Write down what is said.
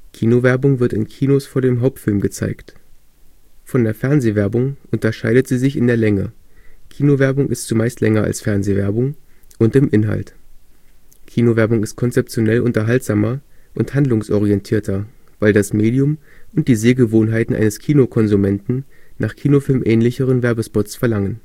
Kinowerbung wird in Kinos vor dem Hauptfilm gezeigt. Von der Fernsehwerbung unterscheidet sie sich in der Länge – Kinowerbung ist zumeist länger als Fernsehwerbung – und im Inhalt: Kinowerbung ist konzeptionell unterhaltsamer und handlungsorientierter, weil das Medium und die Sehgewohnheiten eines Kinokonsumenten nach „ kinofilmähnlicheren “Werbespots verlangen